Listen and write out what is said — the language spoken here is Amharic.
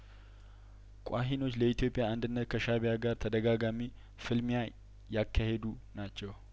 ቋሂ ኖች ለኢትዮጵያ አንድነት ከሻእቢያ ጋር ተደጋጋሚ ፍልሚያ ያካሄዱ ናቸው